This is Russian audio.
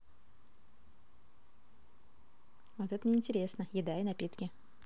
вот это мне интересно еда и напитки